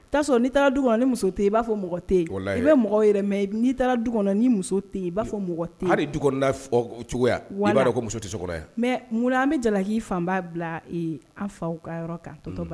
Ia' taara du kɔnɔ ni muso i b'a fɔ mɔgɔ tɛ i bɛ mɔgɔ yɛrɛ n'i taara du ni muso tɛ i b'a fɔ du cogoya b'a ko muso tɛ mɛ mun an bɛ jala k'i fan b'a bila i an faw ka